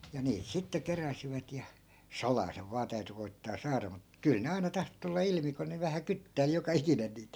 ja niitä sitten keräsivät ja salaa sen vain täytyi koettaa saada mutta kyllä ne aina tahtoi tulla ilmi kun ne vähän kyttäili joka ikinen niitä